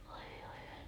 voi voi